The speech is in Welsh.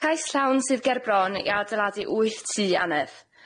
Cais llawn sydd ger bron i adeiladu wyth tŷ annedd.